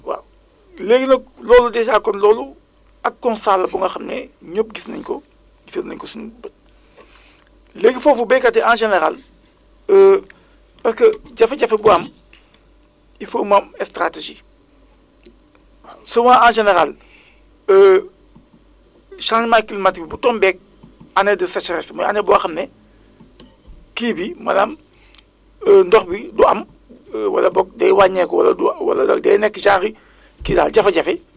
waaw léegi nag loolu dèjà kon loolu ab constat la bu nga xam ne ñëpp gis nañu ko gisal nañu ko suñu bët léegi foofu béykat yi en général parce que jafe-jafe bu am il faut mu ama stratégie waaw souvent en général changement climatique bi bu tombeeg année de sécheresse mooy année boo xam ne kii bi maanaam ndox bi du am wala boog day wàññeeku wala du wala day nekk genre i kii daal jafe-jafe